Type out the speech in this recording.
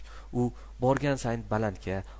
u borgan sayin balandga